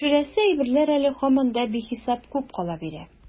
Тикшерәсе әйберләр әле һаман да бихисап күп кала бирә.